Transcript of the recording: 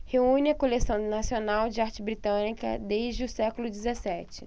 reúne a coleção nacional de arte britânica desde o século dezessete